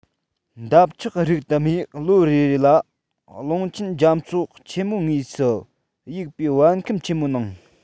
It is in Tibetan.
འདབ ཆགས རིགས དུ མས ལོ རེ རེ ལ རླུང ཆེན རྒྱ མཚོ ཆེན མོའི ངོས སུ གཡུག པའི བར ཁམས ཆེན པོའི ནང